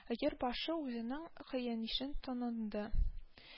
Өер башы үзенең каенишен тыныды